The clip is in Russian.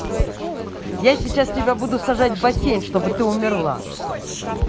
я сейчас тебя буду сажать в бассейн чтобы ты умерла